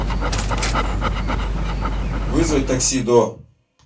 вызвать такси до